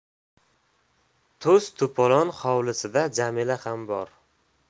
to's to'polon hovlisida jamila xam bor